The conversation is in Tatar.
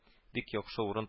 Бик яхшы урын